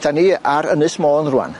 Dan ni ar Ynys Môn rŵan.